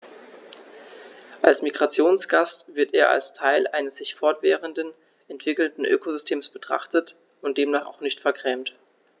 Als Migrationsgast wird er als Teil eines sich fortwährend entwickelnden Ökosystems betrachtet und demnach auch nicht vergrämt.